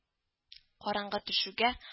Караңгы төшүгә